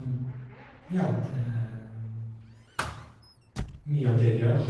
Ja, det er mye av det jeg gjør.